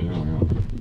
jaa jaa